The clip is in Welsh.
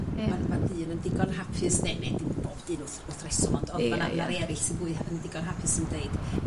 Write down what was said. Ie. ...ma' ma' dyn yn digon hapus neu neu dim bob dyn wth wrth reswm... Ie ie ie. ...ond ma' 'na rei eryll sy'n fwy hy- yn ddigon hapus yn deud